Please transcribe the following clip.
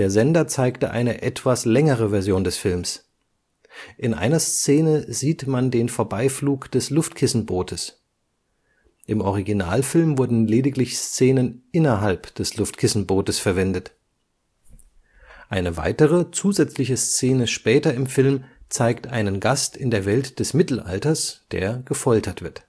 Sender zeigte eine etwas längere Version des Films: In einer Szene sieht man den Vorbeiflug des Luftkissenbootes. Im Originalfilm wurden lediglich Szenen innerhalb des Luftkissenbootes verwendet. Eine weitere zusätzliche Szene später im Film zeigt einen Gast in der Welt des Mittelalters, der gefoltert wird